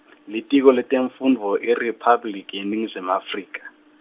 Litiko letemfundvo IRiphabliki yeNingizimu Afrika.